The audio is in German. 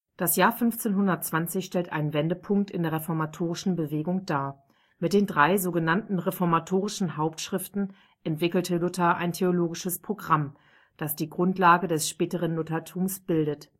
Das Jahr 1520 stellt einen Wendepunkt in der reformatorischen Bewegung dar. Mit den drei sogenannten reformatorischen Hauptschriften entwickelte Luther ein theologisches Programm, das die Grundlage des späteren Luthertums bildet